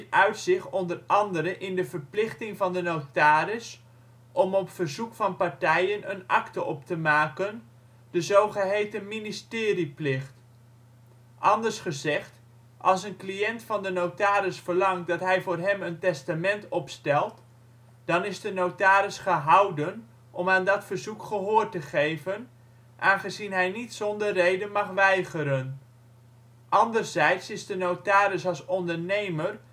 uit zich onder andere in de verplichting van de notaris om op verzoek van partijen een akte op te maken (de zogeheten ministerieplicht). Anders gezegd: als een cliënt van de notaris verlangt dat hij voor hem een testament opstelt dan is de notaris gehouden om aan dat verzoek gehoor te geven aangezien hij niet zonder reden mag weigeren. Anderzijds is de notaris als ondernemer